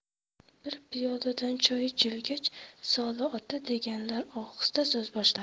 bir piyoladan choy ichilgach soli ota deganlari ohista so'z boshladi